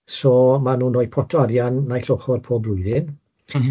So mae'n nhw'n rhoi pot o arian naill ochr pob blwyddyn... M-hm.